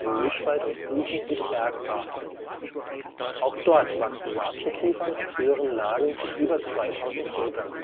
Mischwald aus Buchen und Bergahorn. Auch dort wachsen Latschenkiefern auf höheren Lagen bis über 2000 Metern